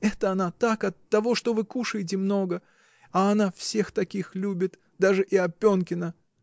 — Это она так, оттого что вы кушаете много, а она всех таких любит, даже и Опенкина!